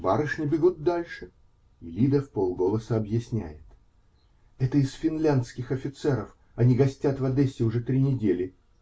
Барышни бегут дальше, и Лида вполголоса объясняет: -- Это из финляндских офицеров: они гостят в Одессе уже три недели.